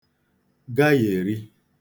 gaghèri